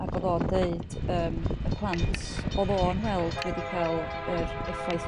ag o'dd o'n d'eud ym d'eud yrm y plant o'dd o'n weld wedi ca'l yr effaith